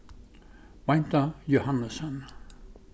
beinta johannesen